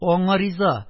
Аңа риза,